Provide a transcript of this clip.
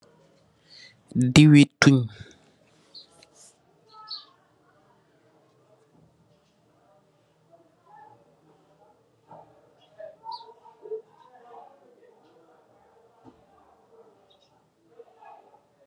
Diwi tunye .